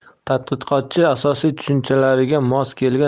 tadqiqotchi asosiy tushunchalariga mos kelgan